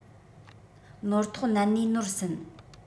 ནོར ཐོག བསྣན ནས ནོར ཟིན